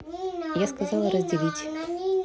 я сказала разделить